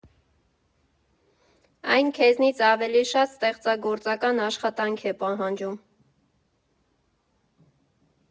Այն քեզնից ավելի շատ ստեղծագործական աշխատանք է պահանջում։